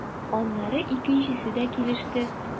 Аннары икенчесе дә килеште.